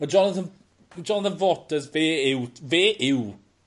ma' Jonathan ma' Jonathan Vaughters fe yw fe yw...